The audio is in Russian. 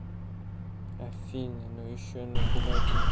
афина ну еще ну погоди